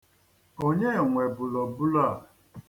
Onye nwe bùlòbulo a?